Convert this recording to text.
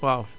waaw